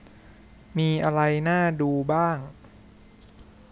มีอะไรน่าดูบ้าง